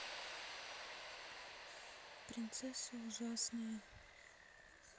принцессы ужасные